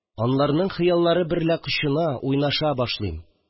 Анларның хыяллары берлә кочына, уйнаша башлыйм